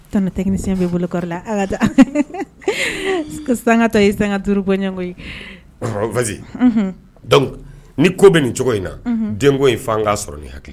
Tonton technicien bɛ bolo kɔri la an ka taa, ko sanga tɔ ye sanga 5 bɔɲɔgɔnko hon vas y donc ni ko bɛ nin cogo in na, unhun, denko in f'an ka sɔrɔ ni hakili ye, unhun.